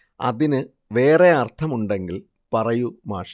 അതിനു വേറേ അർത്ഥം ഉണ്ടെങ്കിൽ പറയൂ മാഷേ